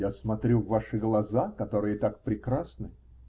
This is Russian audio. -- Я смотрю в ваши глаза, которые так прекрасны.